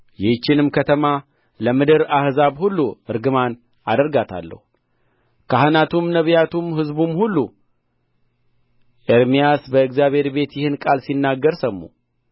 ይህችንም ከተማ ለምድር አሕዛብ ሁሉ እርግማን አደርጋታለሁ ካህናቱም ነቢያቱም ሕዝቡም ሁሉ ኤርምያስ በእግዚአብሔር ቤት ይህን ቃል ሲናገር ሰሙ